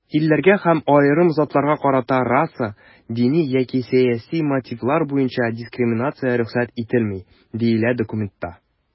"илләргә һәм аерым затларга карата раса, дини яки сәяси мотивлар буенча дискриминация рөхсәт ителми", - диелә документта.